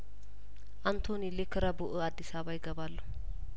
አንቶኒ ሌክ ረቡእ አዲስአባ ይገባሉ